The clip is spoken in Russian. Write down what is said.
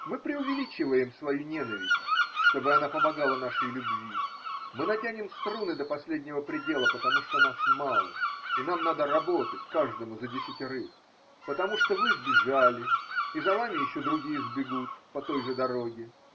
Мы преувеличиваем свою ненависть, чтобы она помогала нашей любви, мы натянем струны до последнего предела, потому что нас мало и нам надо работать каждому за десятерых, по тому что вы сбежали и за вами еще другие сбегут по той же дороге.